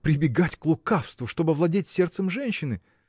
прибегать к лукавству, чтоб овладеть сердцем женщины!.